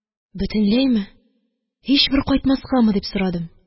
Бөтенләйме, һичбер кайтмаскамы? – дип сорадым